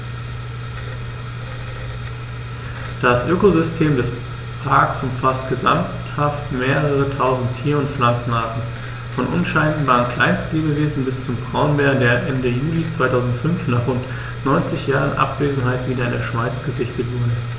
Das Ökosystem des Parks umfasst gesamthaft mehrere tausend Tier- und Pflanzenarten, von unscheinbaren Kleinstlebewesen bis zum Braunbär, der Ende Juli 2005, nach rund 90 Jahren Abwesenheit, wieder in der Schweiz gesichtet wurde.